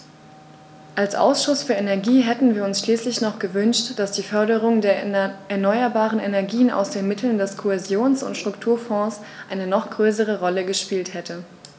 Als Ausschuss für Energie hätten wir uns schließlich noch gewünscht, dass die Förderung der erneuerbaren Energien aus den Mitteln des Kohäsions- und Strukturfonds eine noch größere Rolle gespielt hätte.